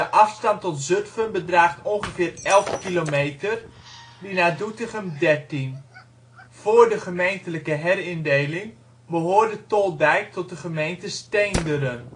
afstand tot Zutphen bedraagt ongeveer 11 kilometer, die naar Doetinchem 13. Voor de gemeentelijke herindeling behoorde Toldijk tot de gemeente Steenderen